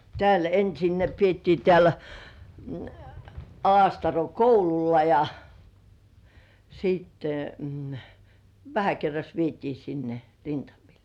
täällä ensin ne pidettiin täällä Alastaron koululla ja sitten vähän kerrassa vietiin sinne rintamille